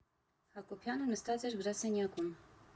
Հակոբյանը նստած էր գրասենյակում։